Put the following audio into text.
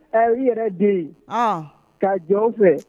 Ɛ u yɛrɛ den ka jɔn fɛ